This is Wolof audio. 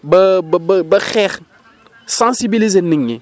ba ba xeex sensibiliser nit ñi